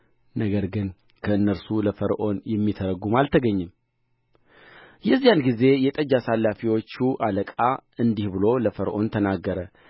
ነገር ግን ከእነርሱ ለፈርዖን የሚተረጕም አልተገኘም የዚያን ጊዜ የጠጅ አሳላፈዎቹ አለቃ እንዲህ ብሎ ለፈርዖን ተናገረ